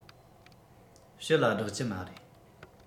ཕྱི ལ བསྒྲགས ཀྱི མ རེད